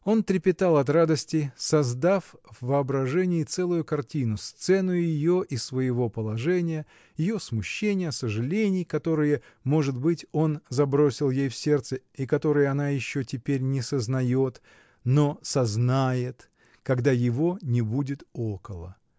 Он трепетал от радости, создав в воображении целую картину — сцену ее и своего положения, ее смущения, сожалений, которые, может быть, он забросил ей в сердце и которых она еще теперь не сознаёт, но сознает, когда его не будет около.